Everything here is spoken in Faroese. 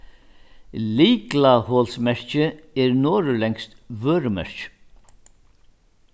lyklaholsmerkið er norðurlendskt vørumerki